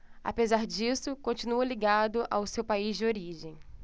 apesar disso continua ligado ao seu país de origem